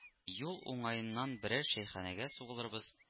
Юл уңаеннан берәр чәйханәгә сугылырбыз